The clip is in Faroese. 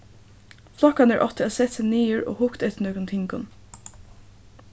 flokkarnir áttu at sett seg niður og hugt eftir nøkrum tingum